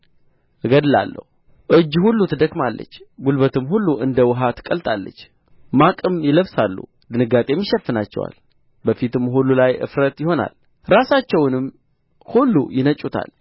እገድላለሁ እጅ ሁሉ ትደክማለች ጕልበትም ሁሉ እንደ ውኃ ትቀልጣለች ማቅም ይለብሳሉ ድንጋጤም ይሸፍናቸዋል በፊትም ሁሉ ላይ እፈረት ይሆናል ራሳቸውንም ሁሉ ይነጩታል